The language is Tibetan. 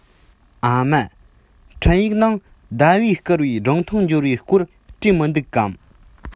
ཨ མ འཕྲིན ཡིག ནང ཟླ བས བསྐུར བའི སྒྲུང ཐུང འབྱོར བའི སྐོར བྲིས མི འདུག གམ